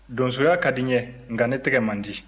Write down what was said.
donsoya ka di n ye nka ne tɛgɛ man di